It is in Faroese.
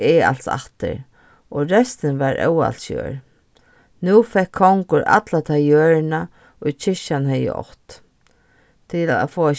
aðalsættir og restin var óðalsjørð nú fekk kongur alla ta jørðina ið kirkjan hevði átt til at fáa